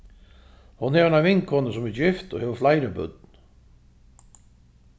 hon hevur eina vinkonu sum er gift og hevur fleiri børn